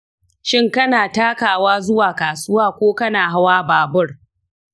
shin kana takawa zuwa kasuwa ko kana hawa babur?